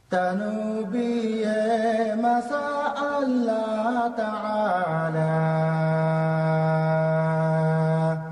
Tanu b'i ye Masa Ala taala